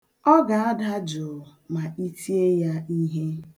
Ọ ga-ada jụụ ma i tie ya ihe.